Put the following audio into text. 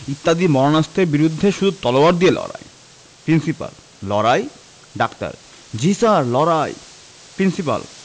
ইত্যাদি মারণাস্ত্রের বিরুদ্ধে শুধু তলোয়ার দিয়ে লড়াই প্রিন্সিপাল লড়াই ডাক্তার জ্বী স্যার লড়াই প্রিন্সিপাল